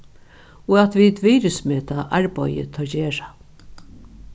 og at vit virðismeta arbeiðið teir gera